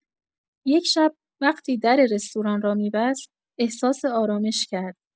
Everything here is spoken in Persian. یک شب، وقتی در رستوران را می‌بست، احساس آرامش کرد.